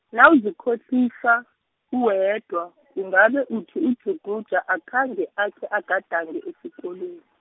nawuzikhohlisa, uwedwa, ungabe uthi uJuguja akhange akhe agadange esikolweni.